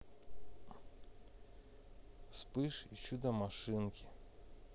вспыш и чудомашинки